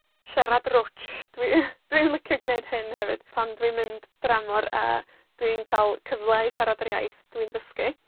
Siarad rwtsh. Dwi, dwi'n licio gneud hyn hefyd, pan dwi'n mynd dramor a dwi'n ca'l cyfle i siarad yr iaith dwi'n ddysgu.